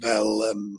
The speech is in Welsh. fel yym...